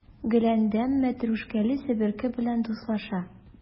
Гөләндәм мәтрүшкәле себерке белән дуслаша.